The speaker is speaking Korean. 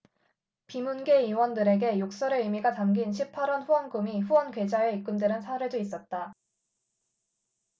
비문계 의원들에게 욕설의 의미가 담긴 십 팔 원 후원금이 후원 계좌에 입금되는 사례도 있었다